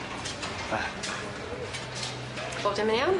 Be'? Bob dim yn iawn?